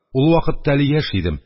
Ул вакытта әле яшь идем.